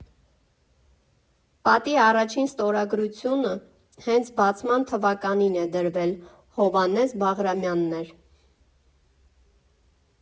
Պատի առաջին ստորագրությունը հենց բացման թվականին է դրվել՝ Հովհաննես Բաղրամյանն էր։